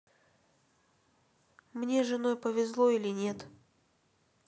мне женой повезло или нет